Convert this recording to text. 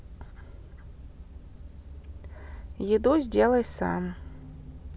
еду сделай сам